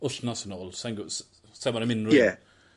wthnos yn ôl sai'n gw- s- sai'n gwbod am unryw un. Ie.